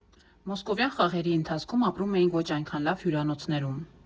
«Մոսկովյան խաղերի ընթացքում ապրում էինք ոչ այնքան լավ հյուրանոցներում։